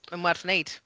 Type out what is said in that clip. Mae'n werth wneud.